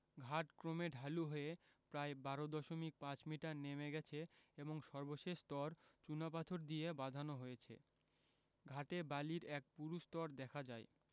ঘাট ক্রমে ঢালু হয়ে প্রায় ১২ দশমিক ৫ মিটার নিচে নেমে গেছে এবং সর্বশেষ স্তর চুনাপাথর দিয়ে বাঁধানো হয়েছে ঘাটে বালির এক পুরু স্তর দেখা যায়